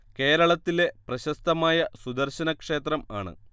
കേരളത്തിലെ പ്രശസ്തമായ സുദർശന ക്ഷേത്രം ആണ്